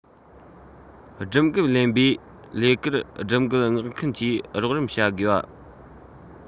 སྒྲུབ འགན ལེན པའི ལས ཀར སྒྲུབ འགན མངགས མཁན གྱིས རོགས རམ བྱ དགོས པ